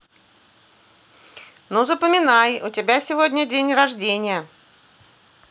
ну запоминай у тебя сегодня день рождения